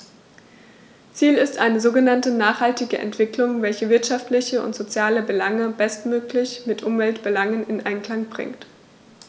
Ziel ist eine sogenannte nachhaltige Entwicklung, welche wirtschaftliche und soziale Belange bestmöglich mit Umweltbelangen in Einklang bringt.